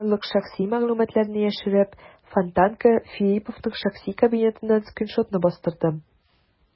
Барлык шәхси мәгълүматларны яшереп, "Фонтанка" Филипповның шәхси кабинетыннан скриншотны бастырды.